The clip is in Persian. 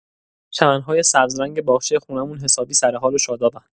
چمن‌های سبزرنگ باغچه خونه‌مون حسابی سرحال و شادابن.